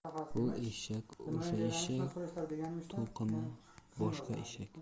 bu eshak o'sha eshak to'qimi boshqa eshak